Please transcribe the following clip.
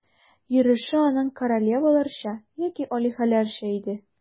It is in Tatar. Йөреше аның королеваларча яки алиһәләрчә иде.